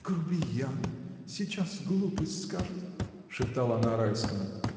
— Грубиян: сейчас глупость скажет!. — шептала она Райскому.